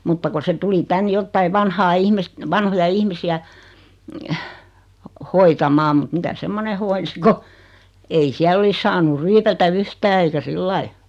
mutta kun se tuli tänne jotakin vanhaa ihmistä vanhoja ihmisiä hoitamaan mutta mitä semmoinen hoiti kun ei siellä olisi saanut ryypätä yhtään eikä sillä lailla